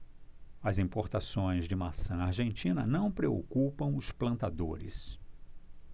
as importações de maçã argentina não preocupam os plantadores